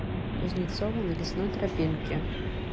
кузнецова на лесной тропинке